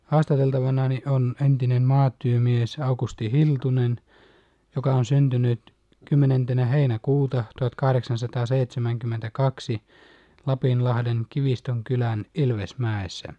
haastateltavani on entinen maatyömies Aukusti Hiltunen joka on syntynyt kymmenentenä heinäkuuta tuhatkahdeksansataaseitsemänkymmentäkaksi Lapinlahden Kivistön kylän Ilvesmäessä